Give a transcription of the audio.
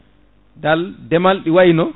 dal deema ɗi wayno